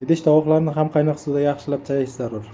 idish tovoqlarni ham qaynoq suvda yaxshilab chayish zarur